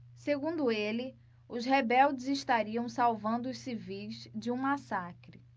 segundo ele os rebeldes estariam salvando os civis de um massacre